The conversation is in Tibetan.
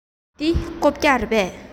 འདི རྐུབ བཀྱག རེད པས